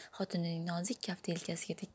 xotinining nozik kafti yelkasiga tekkanini